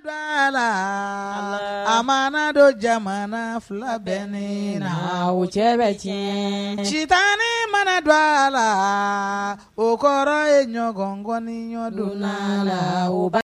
Dɔ la a mana dɔ jamana fila bɛ ne na o cɛ bɛ tiɲɛ citan ni mana don a la o kɔrɔ ye ɲɔgɔnkɔni ɲɔdon la la